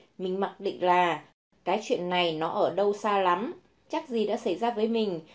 mình mặc định là cái chuyện này nó ở đâu xa lắm chắc gì đã xảy ra với mình